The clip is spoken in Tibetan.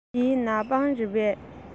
འདི ནག པང རེད པས